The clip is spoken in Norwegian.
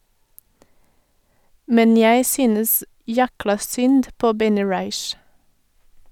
Men jeg synes "jækla" synd på Benny Raich.